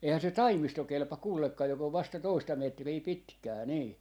eihän se taimisto kelpaa kenellekään joka on vasta toista metriä pitkää niin